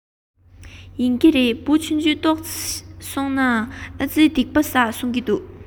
ཡིན གྱི རེད འབུ ཆུང ཆུང ཅིག རྡོག རྫིས ཤོར ནའི ཨ རྩི སྡིག པ བསགས སོང ཟེར གྱི འདུག